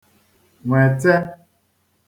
nwète